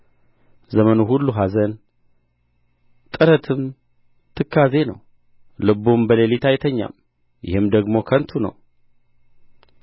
ዘመኑ ሁሉ ኀዘን ጥረትም ትካዜ ነው ልቡም በሌሊት አይተኛም ይህም ደግሞ ከንቱ ነው